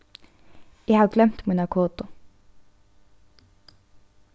eg havi gloymt mína kodu